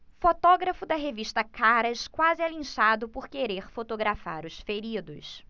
fotógrafo da revista caras quase é linchado por querer fotografar os feridos